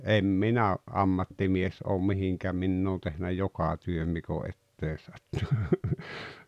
en minä ammattimies ole mihinkään minä olen tehnyt joka työn mikä on eteen sattunut